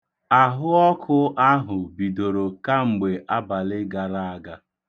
Ahụọkụ ahụ bidoro kemgbe abalị gara aga.